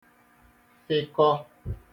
fịkọ